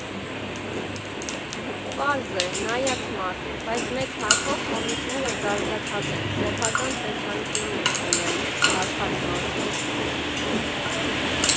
Պարզ է՝ նայած մարդ, բայց մեծ հաշվով կոմիկները զարգացած են, սեփական տեսանկյունն ունեն աշխարհի մասին։